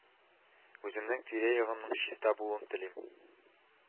Үземнең тирәягымның чиста булуын телим